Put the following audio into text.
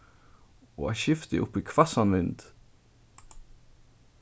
og eitt skifti upp í hvassan vind